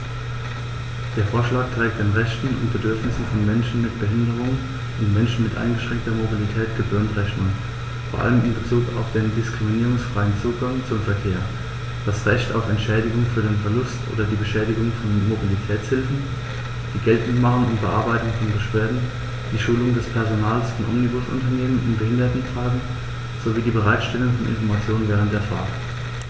Der Vorschlag trägt den Rechten und Bedürfnissen von Menschen mit Behinderung und Menschen mit eingeschränkter Mobilität gebührend Rechnung, vor allem in Bezug auf den diskriminierungsfreien Zugang zum Verkehr, das Recht auf Entschädigung für den Verlust oder die Beschädigung von Mobilitätshilfen, die Geltendmachung und Bearbeitung von Beschwerden, die Schulung des Personals von Omnibusunternehmen in Behindertenfragen sowie die Bereitstellung von Informationen während der Fahrt.